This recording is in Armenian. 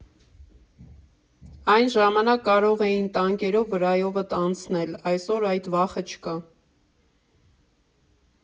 Այն ժամանակ կարող էին տանկերով վրայովդ անցնել, այսօր այդ վախը չկա։